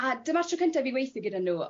...a dyma'r tro cynta i fi weithio gyda n'w